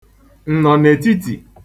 ǹnọ̀nètitì